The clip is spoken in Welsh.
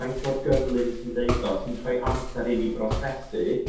faint mor gyflym ti'n ddeud o ti'n roi amser i ni brosesu